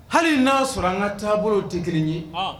Hali n'a sɔrɔ an ka taabolo o ten kelen ye